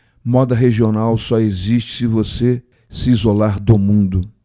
moda regional só existe se você se isolar do mundo